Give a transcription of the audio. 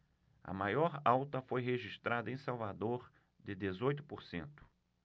a maior alta foi registrada em salvador de dezoito por cento